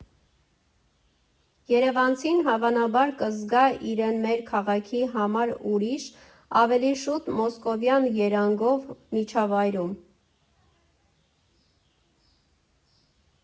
Երևանցին, հավանաբար, կզգա իրեն մեր քաղաքի համար ուրիշ՝ ավելի շուտ մոսկովյան երանգով միջավայրում։